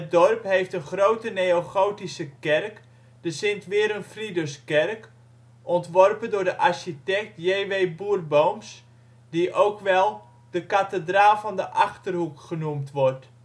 dorp heeft een grote neogotische kerk, de Sint-Werenfriduskerk, ontworpen door architect J.W. Boerbooms, die ook wel " de kathedraal van de Achterhoek " genoemd wordt